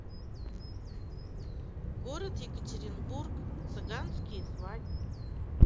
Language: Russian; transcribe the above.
город екатеринбург цыганские свадьбы